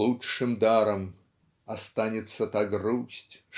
лучшим даром останется та грусть